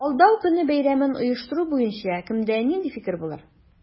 Алдау көне бәйрәмен оештыру буенча кемдә нинди фикер булыр?